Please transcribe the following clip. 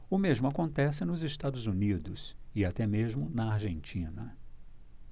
o mesmo acontece nos estados unidos e até mesmo na argentina